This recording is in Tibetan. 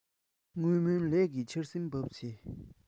སྔོན སྨོན ལས ཀྱི ཆར ཟིམ བབས ཚེ